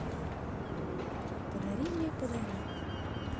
подари мне подари